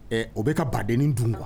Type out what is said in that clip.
Ɛɛ o bɛka ka baden dun kuwa